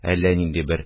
Әллә нинди бер